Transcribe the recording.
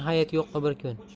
hayit yo'qqa bir kun